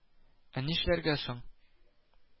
Ә нишләргә соң